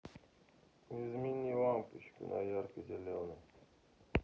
измени лампочку на ярко зеленый